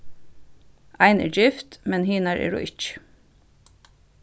ein er gift men hinar eru ikki